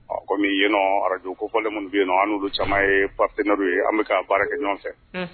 Kɔmi yen nɔ radio kofalen minnu bɛ yen an'u caaman ye partenaires ye an bɛka baaraw kɛ ɲɔgɔn fɛ.